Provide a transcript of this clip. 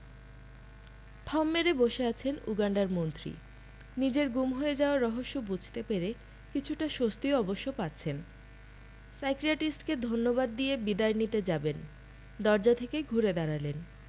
থম মেরে আছেন উগান্ডার মন্ত্রী নিজের গুম হয়ে যাওয়ার রহস্য বুঝতে পেরে কিছুটা স্বস্তিও অবশ্য পাচ্ছেন সাইকিয়াট্রিস্টকে ধন্যবাদ দিয়ে বিদায় নিতে যাবেন দরজা থেকে ঘুরে দাঁড়ালেন